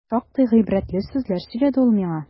Шактый гыйбрәтле сүзләр сөйләде ул миңа.